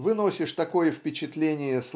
Выносишь такое впечатление